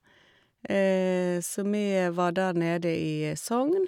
Så vi var der nede i Sogn.